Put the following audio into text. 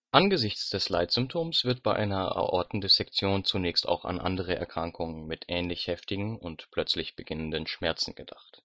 Angesichts des Leitsymptoms wird bei einer Aortendissektion zunächst auch an andere Erkrankungen mit ähnlich heftigen und plötzlich beginnenden Schmerzen gedacht